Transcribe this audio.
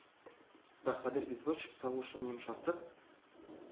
Баһадир извозчик, тавышын йомшартып,